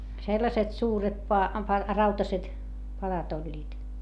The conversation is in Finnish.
sellaiset suuret -- rautaiset padat olivat